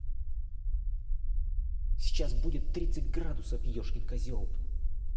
сейчас будет тридцать градусов ешкин козел